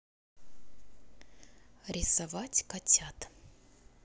рисовать котят